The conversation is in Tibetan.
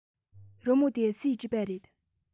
རི མོ དེ སུས བྲིས པ རེད